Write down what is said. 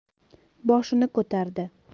boshini ko'tardi